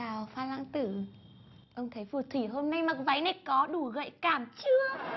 chào phan lãng tử ông thấy hôm nay phù thủy mặc váy này có đủ gợi cảm chưa